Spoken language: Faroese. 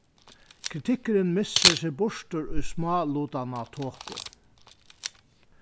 kritikkurin missir seg burtur í smálutanna toku